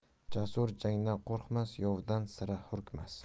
jasur jangdan qo'rqmas yovdan sira hurkmas